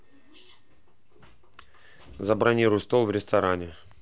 забронируй стол в ресторане